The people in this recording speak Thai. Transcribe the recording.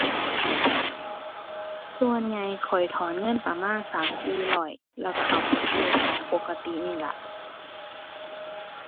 ส่วนใหญ่ข้อยถอนเงินประมาณสามสี่ร้อยแล้วก็เอาไปซื้อของปกตินี่ล่ะ